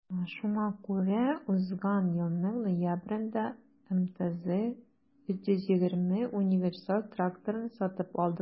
Шуңа күрә узган елның ноябрендә МТЗ 320 универсаль тракторын сатып алдылар.